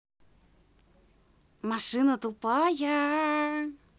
машина тупая